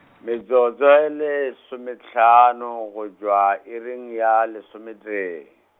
metsotso e lesomehlano go tšwa iri -ng ya lesometee.